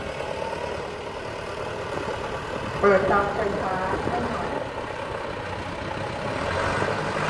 เปิดเตาไฟฟ้าให้หน่อย